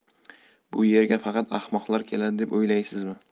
bu yerga faqat ahmoqlar keladi deb o'ylaysizmi